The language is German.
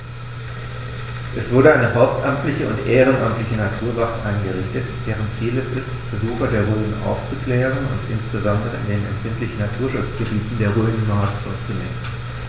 Es wurde eine hauptamtliche und ehrenamtliche Naturwacht eingerichtet, deren Ziel es ist, Besucher der Rhön aufzuklären und insbesondere in den empfindlichen Naturschutzgebieten der Rhön maßvoll zu lenken.